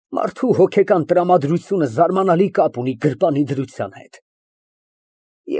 Մարդու հոգեկան տրամադրությունը զարմանալի կապ ունի գրպանի դրության հետ։